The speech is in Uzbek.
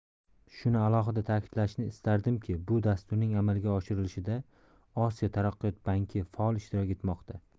shuni alohida ta'kidlashni istardimki bu dasturning amalga oshirilishida osiyo taraqqiyot banki faol ishtirok etmoqda